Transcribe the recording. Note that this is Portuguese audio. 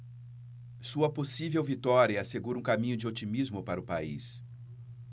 sua possível vitória assegura um caminho de otimismo para o país